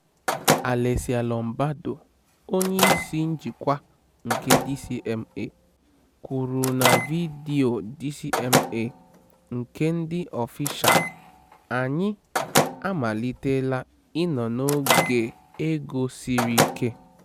Alessia Lombardo, onyeisi njikwa nke DCMA, kwuru na vidiyo DCMA nke dị ọfisha, "Anyị [amaliteela] ịnọ n'oge ego siri ike".